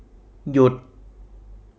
หยุด